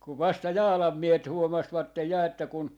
kun vasta Jaalan miehet huomasivat ja että kun